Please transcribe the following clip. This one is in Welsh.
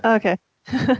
O ocê